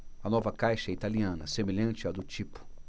a nova caixa é italiana semelhante à do tipo